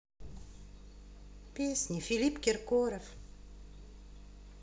песня филипп киркоров